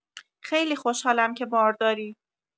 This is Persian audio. خیلی خوشحالم که بارداری!